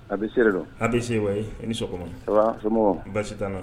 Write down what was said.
A bɛ se dɔn a bɛ se wa i ni sɔgɔma so baasi tɛ